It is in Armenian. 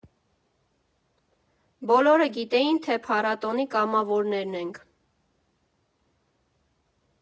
Բոլորը գիտեին, թե փառատոնի կամավորներ ենք։